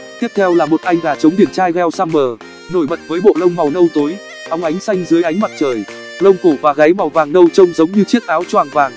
tiếp theo là một anh gà trống điển trai welsummer nổi bật với bộ lông màu nâu tối óng ánh xanh dưới ánh mặt trời lông cổ và gáy màu vàng nâu trông giống như chiếc áo choàng vàng